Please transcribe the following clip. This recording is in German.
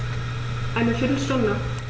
Eine viertel Stunde